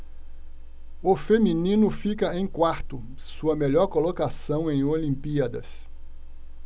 o feminino fica em quarto sua melhor colocação em olimpíadas